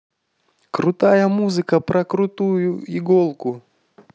крутая музыка про крутую иголку